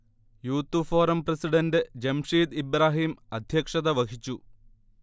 youth forum president Jamsheed Ibrahim അദ്ധ്യക്ഷത വഹിച്ചു